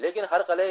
lekin har qalay